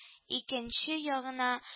—икенче ягына